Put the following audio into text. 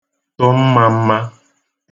tụ mmām̄mā